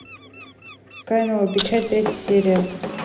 каинова печать третья серия